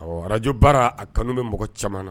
Ɔ araj baara a kanu bɛ mɔgɔ caman na